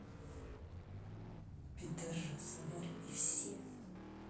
пидарасы говорил и все